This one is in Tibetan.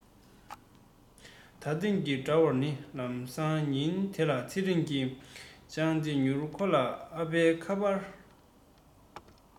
ད ཐེངས ཀྱི འདྲ པར གྱི ལག སང ཉིན དེ ལ ཚེ རིང གི བྱང དེ མྱུར ཁོ ལ ཨ ཕའི ཁ པར